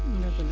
dëgg la